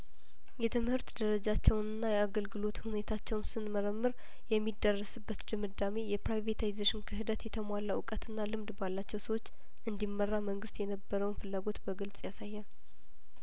የትምህርት ደረጃቸውንና የአገልግሎት ሁኔታቸውን ስንመረምር የሚደረስበት ድምዳሜ የፕራይቬታይዜሽን ክህደት የተሟላ እውቀትና ልምድ ባላቸው ሰዎች እንዲመራ መንግስት የነበረውን ፍላጐት በግልጽ ያሳያል